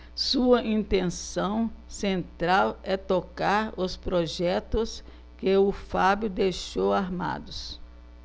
sua intenção central é tocar os projetos que o fábio deixou armados